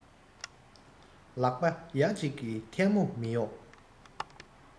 ལག པ ཡ གཅིག གིས ཐལ མོ མི ཡོང